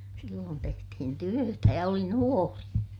silloin tehtiin työtä ja oli nuori